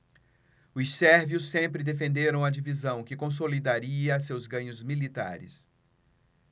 os sérvios sempre defenderam a divisão que consolidaria seus ganhos militares